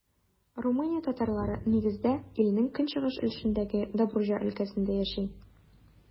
Румыния татарлары, нигездә, илнең көнчыгыш өлешендәге Добруҗа өлкәсендә яши.